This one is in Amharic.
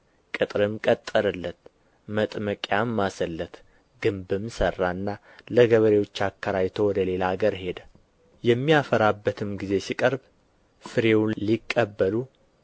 ቅጥርም ቀጠረለት መጥመቂያም ማሰለት ግንብም ሠራና ለገበሬዎች አከራይቶ ወደ ሌላ አገር ሄደ የሚያፈራበትም ጊዜ ሲቀርብ ፍሬውን ሊቀበሉ